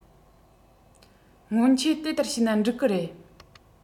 སྔོན ཆད དེ ལྟར བྱས ན འགྲིག གི རེད